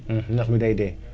ñax mi day dee